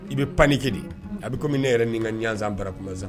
I be panique de . A bi komi min ne yɛrɛ ni ka ɲanzsan bara kunmasa.